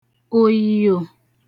òyìyò